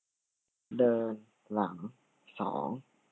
เดินหลังสอง